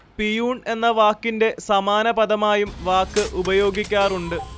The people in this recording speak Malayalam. പിയൂൺ എന്ന വാക്കിന്റെ സമാന പദമായും വാക്ക് ഉപയോഗിക്കാറുണ്ട്